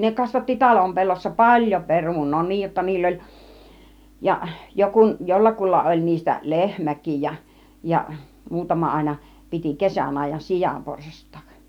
ne kasvatti talon pellossa paljon perunaa niin jotta niillä oli ja - jollakulla oli niistä lehmäkin ja ja muutama aina piti kesän ajan sianporsastakin